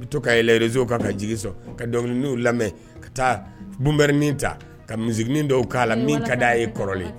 I bɛ to kaɛlɛnrezw kan ka jigi sɔrɔ ka dɔnkiliw lamɛn ka taa bbɛrin ta ka muin dɔw k'a la min ka di' a ye kɔrɔlen